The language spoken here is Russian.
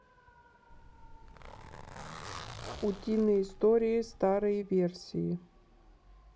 утиные истории старые версии